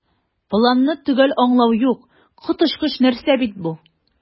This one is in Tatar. "планны төгәл аңлау юк, коточкыч нәрсә бит бу!"